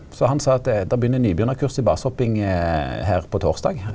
så han sa at det der begynner nybegynnarkurs i basehopping her på torsdag.